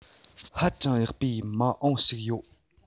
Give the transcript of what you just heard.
ཧ ཅང ཡག པའི མ འོངས ཞིག ཡོད